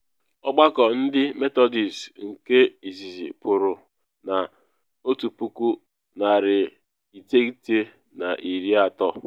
Ọgbakọ ndị Methodist nke izizi pụrụ na 1930.